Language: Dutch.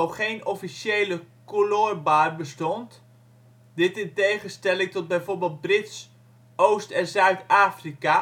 geen officiële ' colour bar ' bestond - dit in tegenstelling tot bijvoorbeeld Brits Oost - en Zuid-Afrika